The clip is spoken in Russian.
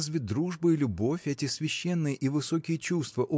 разве дружба и любовь – эти священные и высокие чувства